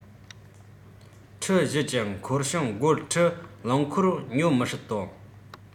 ཁྲི ༤ ཀྱི འཁོར བྱང སྒོར ཁྲི ༤ རླངས འཁོར ཉོ མི སྲིད དོ